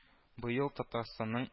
“быел татарстанның